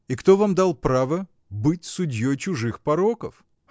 и кто вам дал право быть судьей чужих пороков?